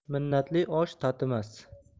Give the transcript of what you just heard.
minnatli osh tatimas